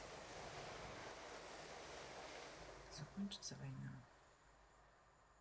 закончится война